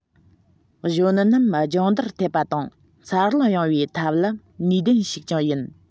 གཞོན ནུ རྣམས སྦྱོང བརྡར ཐེབས པ དང འཚར ལོངས ཡོང བའི ཐབས ལམ ནུས ལྡན ཞིག ཀྱང ཡིན